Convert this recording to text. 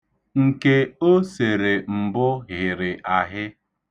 Nke o sere mbụ hịrị ahị.